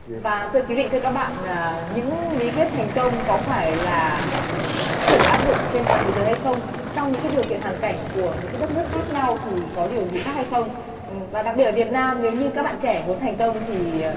và thưa quý vị thưa các bạn à những bí quyết thành công có phải là có thể được áp dụng trên toàn thế giới hay không trong những cái điều kiện hoàn cảnh của những cái đất nước khác nhau thì có điều gì khác hay không và đặc biệt ở việt nam nếu như các bạn trẻ muốn thành công thì